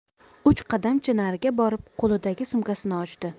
uch qadamcha nariga borib qo'lidagi sumkani ochdi